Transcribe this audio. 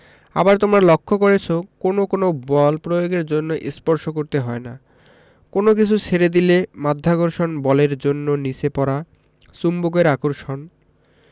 আবার তোমরা লক্ষ করেছ কোনো কোনো বল প্রয়োগের জন্য স্পর্শ করতে হয় না কোনো কিছু ছেড়ে দিলে মাধ্যাকর্ষণ বলের জন্য নিচে পড়া চুম্বকের আকর্ষণ